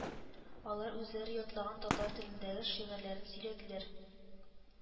Алар үзләре ятлаган татар телендәге шигырьләрен сөйләделәр